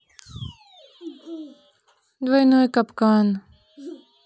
двойной капкан